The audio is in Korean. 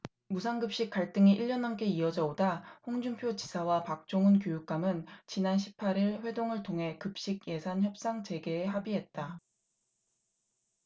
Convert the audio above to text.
무상급식 갈등이 일 년 넘게 이어져 오다 홍준표 지사와 박종훈 교육감은 지난 십 팔 일 회동을 통해 급식예산 협상 재개에 합의했다